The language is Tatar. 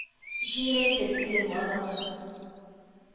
Җиңеләйтер үлем газабын,